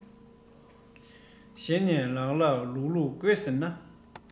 དོན མེད མུན པའི གླིང དུ མ སོང ཞིག